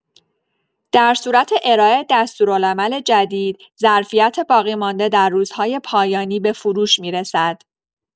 درصورت ارائه دستورالعمل جدید ظرفیت باقی‌مانده در روزهای پایانی به فروش می‌رسد.